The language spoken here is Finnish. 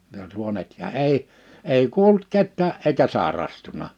ja suonet ja ei ei kuollut ketään eikä sairastunut